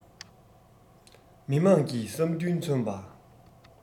མི དམངས ཀྱི བསམ འདུན མཚོན པ